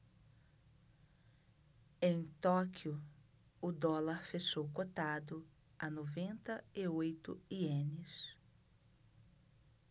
em tóquio o dólar fechou cotado a noventa e oito ienes